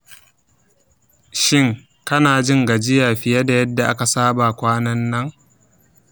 shin kana jin gajiya fiye da yadda aka saba kwanan nan?